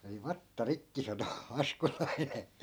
meni vatsa rikki sanoi askolainen